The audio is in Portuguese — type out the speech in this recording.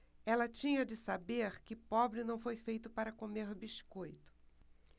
ela tinha de saber que pobre não foi feito para comer biscoito